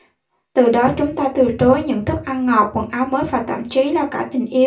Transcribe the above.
từ đó chúng ta từ chối những thức ăn ngọt quần áo mới và thậm chí là cả tình yêu